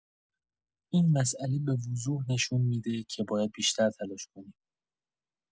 این مسئله به‌وضوح نشون می‌ده که باید بیشتر تلاش کنیم.